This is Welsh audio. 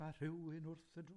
Ma rhywun wrth y drws.